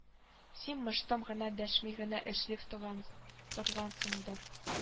Син мыштым гына дәшми генә эшли торгансыңдыр